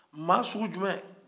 maa sugu jumɛ